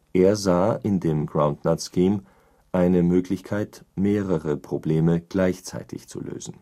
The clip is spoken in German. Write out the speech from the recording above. Er sah in dem Groundnut Scheme eine Möglichkeit, mehrere Probleme gleichzeitig zu lösen